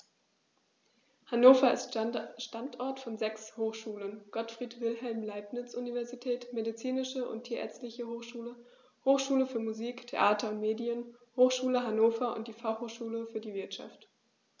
Hannover ist Standort von sechs Hochschulen: Gottfried Wilhelm Leibniz Universität, Medizinische und Tierärztliche Hochschule, Hochschule für Musik, Theater und Medien, Hochschule Hannover und die Fachhochschule für die Wirtschaft.